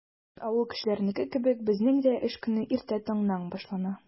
Бөтен авыл кешеләренеке кебек, безнең дә эш көне иртә таңнан башлана.